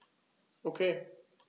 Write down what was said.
Okay.